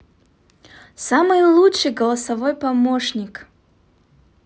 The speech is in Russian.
ты самый лучший голосовой помощник